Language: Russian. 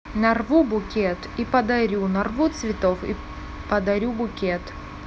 нарву букет и подарю нарву цветов и подарю букет